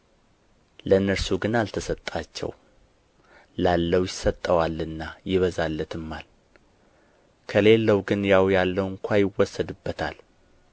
ለእነርሱ ግን አልተሰጣቸውም ላለው ይሰጠዋልና ይበዛለትማል ከሌለው ግን ያው ያለው እንኳ ይወሰድበታል